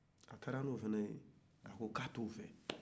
a taara ni o fana ye a ko k'a t'o fɛ